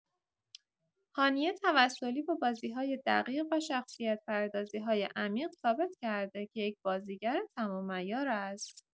هانیه توسلی با بازی‌های دقیق و شخصیت‌پردازی‌های عمیق، ثابت کرده که یک بازیگر تمام‌عیار است.